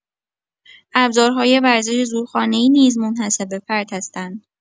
ابزارهای ورزش زورخانه‌ای نیز منحصر به‌فرد هستند.